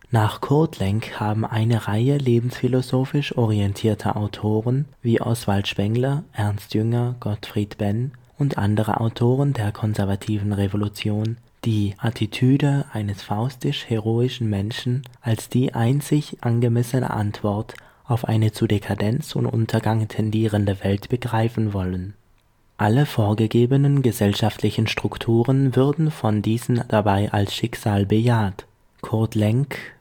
Nach Kurt Lenk haben eine Reihe „ lebensphilosophisch orientierter Autoren “wie Oswald Spengler, Ernst Jünger, Gottfried Benn und andere Autoren der „ Konservativen Revolution “die „ Attitüde eines faustisch-heroischen Menschen als die einzig angemessene Antwort auf eine zu Dekadenz und Untergang tendierende Welt begreifen wollen “. Alle vorgegebenen gesellschaftlichen Strukturen würden von diesen dabei als Schicksal bejaht. Kurt Lenk